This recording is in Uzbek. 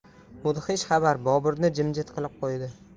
mudhish xabar boburni jimjit qilib qo'ydi